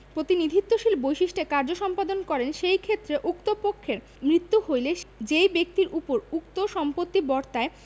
প্রতিনিধিত্বশীল বৈশিষ্ট্যে কার্য সম্পাদন করেন সেই ক্ষেত্রে উক্ত পক্ষের মৃত্যু হইলে যেই ব্যক্তির উপর উক্ত সম্পত্তি বর্তায়